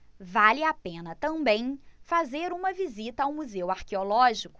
vale a pena também fazer uma visita ao museu arqueológico